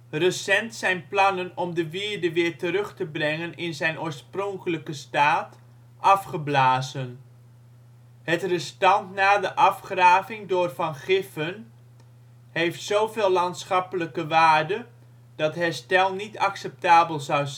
Recent zijn plannen om de wierde weer terug te brengen in zijn oorspronkelijke staat afgeblazen. Het restant na de afgraving door Van Giffen heeft zo veel lanschappelijke waarde dat ' herstel ' niet acceptabel zou zijn